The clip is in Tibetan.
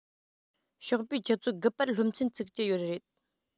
ཞོགས པའི ཆུ ཚོད དགུ པར སློབ ཚན ཚུགས ཀྱི ཡོད རེད